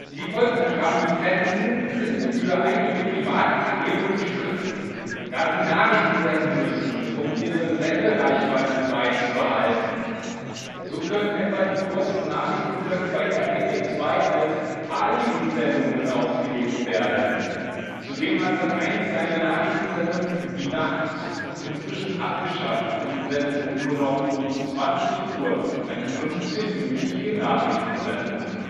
Die Vollprogramm-Lizenzen sind für einige private Kanäle umstritten, da sie Nachrichten senden müssen, um ihre Sendereichweite beizubehalten. So können etwa die kurzen Nachrichten-Blöcke bei RTL 2 als „ Alibi-Sendungen “ausgelegt werden, zudem hat Sat.1 seine Nachrichtensendung „ Die Nacht “inzwischen abgeschafft und sendet nur noch um 20 Uhr eine 15-minütige Nachrichtensendung